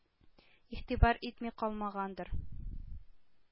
Игътибар итми калмагандыр: